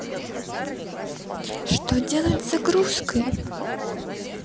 что делать с загрузкой